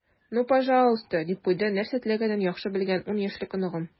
"ну пожалуйста," - дип куйды нәрсә теләгәнен яхшы белгән ун яшьлек оныгым.